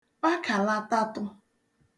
kpakàlatatụ